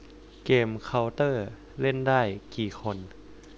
เกมเค้าเตอร์เล่นได้กี่คน